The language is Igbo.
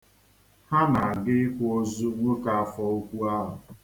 Ha na-aga ịkwa ozu nwoke afọ ukwu ahụ.